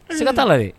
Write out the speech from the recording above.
Siga taa